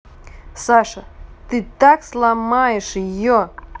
саша ты так сломаешь ее